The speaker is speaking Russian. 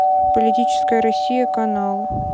политическая россия канал